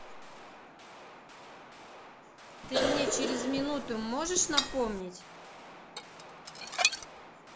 ты мне через минуту можешь напомнить